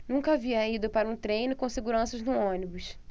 nunca havia ido para um treino com seguranças no ônibus